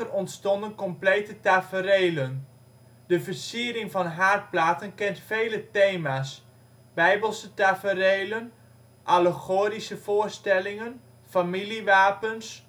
ontstonden complete taferelen. De versiering van haardplaten kent vele thema 's: bijbelse taferelen, allegorische voorstellingen, familiewapens